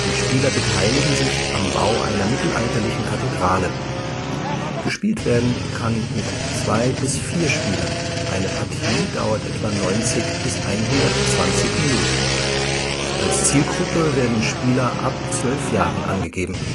Spieler beteiligen sich am Bau einer mittelalterlichen Kathedrale. Gespielt werden kann mit zwei bis vier Spielern, eine Partie dauert etwa 90 bis 120 Minuten. Als Zielgruppe werden Spieler ab zwölf Jahren angegeben